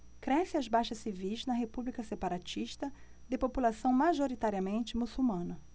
crescem as baixas civis na república separatista de população majoritariamente muçulmana